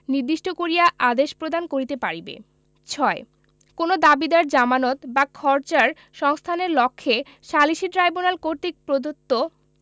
নির্দিষ্ট করিয়া আদেশ প্রদান করিতে পারিবে ৬ কোন দাবীদার জামানত বা খরচার সংস্থানের লক্ষ্যে সালিসী ট্রাইব্যুনাল কর্তৃক প্রদত্ত